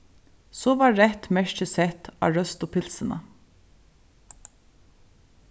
so varð reytt merki sett á røstu pylsuna